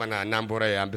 Tuma na n'an bɔra yan